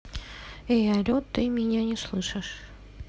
эй але ты меня не слышишь